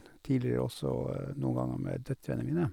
Tidligere også noen ganger med døtrene mine.